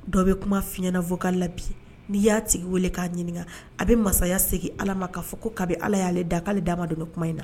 Dɔ bɛ kuma f'i ɲɛna vocal la bi. N'i y'a tigi wele k'a ɲininka, a bɛ masaya segin Ala ma, k'a fɔ ko kabi Ala y'ale dan k'ale da ma don ni kuma in na.